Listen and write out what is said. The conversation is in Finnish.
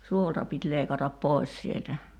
suolta piti leikata pois sieltä